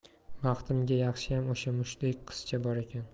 baxtimga yaxshiyam o'sha mushtdek qizcha bor ekan